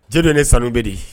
Jeli don ne sanu bɛ di